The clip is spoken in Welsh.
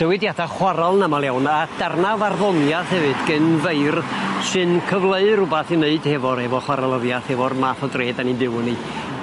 Dywediada chwarel yn amal iawn a darna o farddoniath hefyd gin feirdd sy'n cyfleu rwbath i neud hefo'r efo chwarelyddiath hefo'r math o dre 'dan ni'n byw yn 'i.